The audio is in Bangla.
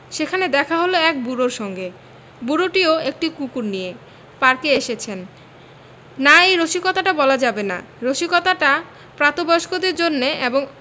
সেখানে দেখা হল এক বুড়োর সঙ্গে বুড়োটিও একটি কুকুর নিয়ে পার্কে এসেছে না এই রসিকতাটি বলা যাবে না রসিকতাটা প্রাত বয়স্কদের জন্যে এবং